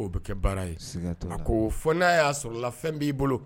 Bɛ kɛ baara ye a ko fo n'a y'a sɔrɔ la fɛn b'i bolo